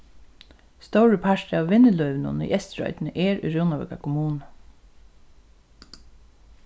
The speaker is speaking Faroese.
stórur partur av vinnulívinum í eysturoynni er í runavíkar kommunu